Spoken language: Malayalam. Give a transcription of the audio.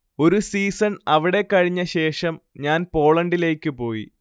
ഒരു സീസൺ അവിടെ കഴിഞ്ഞശേഷം ഞാൻ പോളണ്ടിലേയ്ക്ക് പോയി